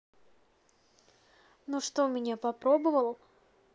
ну что мне poproboval